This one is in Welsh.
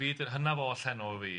Fi di'r hynaf oll heno wy fi.